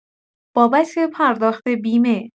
بابت پرداخت بیمه